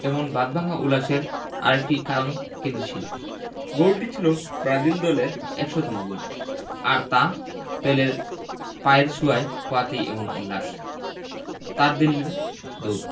এমন বাঁধভাঙা উল্লাসের আরেকটি কারণ কিন্তু ছিল গোলটি ছিল ব্রাজিল দলের ১০০তম গোল আর তা পেলের পায়ের ছোঁয়ায় হওয়াতেই এমন উল্লাস তারদেল্লির দৌড়